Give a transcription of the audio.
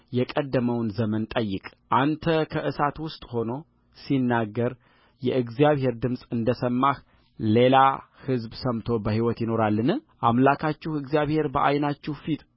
የቀደመውን ዘመን ጠይቅአንተ ከእሳት ውስጥ ሆኖ ሲናገር የእግዚአብሔርን ድምፅ እንደ ሰማህ ሌላ ሕዝብ ሰምቶ በሕይወት ይኖራልን አምላካችሁ እግዚአብሔር በዓይናችሁ ፊት